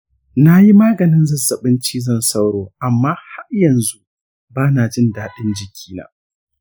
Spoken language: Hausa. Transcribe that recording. na yi maganin zazzabin cizon sauro amma har yanzu ba na jin daɗin jikina.